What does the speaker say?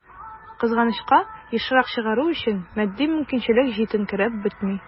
Кызганычка, ешрак чыгару өчен матди мөмкинчелек җитенкерәп бетми.